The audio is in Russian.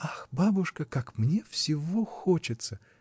— Ах, бабушка, как мне всего хочется!